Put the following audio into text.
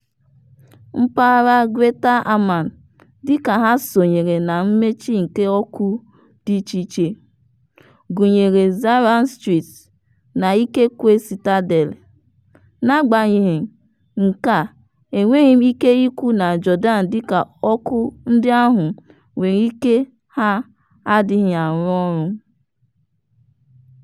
Mpaghara Greater Amman dịka ha sonyere na mmechi nke ọkụ dị icheiche, gụnyere Zahran Street, na, ikekwe Citadel (n'agbanyeghị nke a enweghị m ike ikwu na Jordan dịka ọkụ ndị ahụ nwere ike ha adịghị arụ ọrụ).